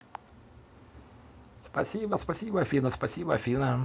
спасибо спасибо афина спасибо афина